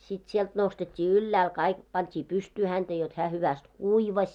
sitten sieltä nostettiin ylhäälle kaikki pantiin pystyyn häntä jotta hän hyvästi kuivasi